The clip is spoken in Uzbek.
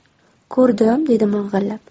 ko'rdim dedi ming'illab